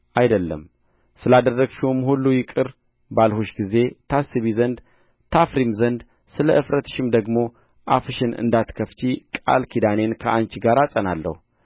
አይደለም ስላደረግሽውም ሁሉ ይቅር ባልሁሽ ጊዜ ታስቢ ዘንድ ታፍሪም ዘንድ ስለ እፍረትሽም ደግሞ አፍሽን እንዳትከፍቺ ቃል ኪዳኔን ከአንቺ ጋር አጸናለሁ